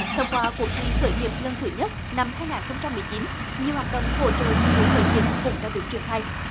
thông qua cuộc thi khởi nghiệp lần thứ nhất năm hai ngàn không trăm mười chín nhiều hoạt động hỗ trợ phụ nữ khởi nghiệp cũng đã được triển khai